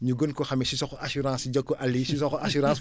ñu gën koo xamee Cissokho assurance jokko àll yi Cissokho assurance